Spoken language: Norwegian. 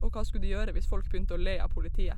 Og hva skulle de gjøre hvis folk begynte å le av politiet?